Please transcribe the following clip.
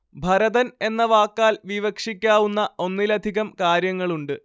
ഭരതന്‍ എന്ന വാക്കാല്‍ വിവക്ഷിക്കാവുന്ന ഒന്നിലധികം കാര്യങ്ങളുണ്ട്